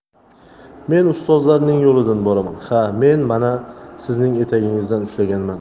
men ustozlarning yo'lidan boraman ha men mana sizning etagingizdan ushlaganman